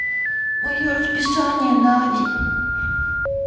мое расписание на день